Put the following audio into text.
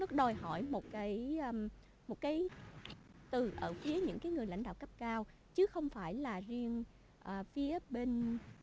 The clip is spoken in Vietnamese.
nó đòi hỏi một cái a một một cái từ ở phía những người lãnh đạo cấp cao chứ không phải là riêng ở phía bên